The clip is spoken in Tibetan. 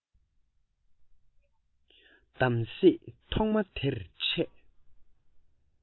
བདམས གསེས ཐོག མ དེར འཕྲད